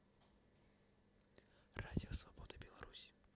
радио свобода беларусь